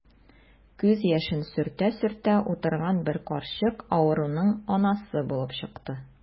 Күз яшен сөртә-сөртә утырган бер карчык авыруның анасы булып чыкты.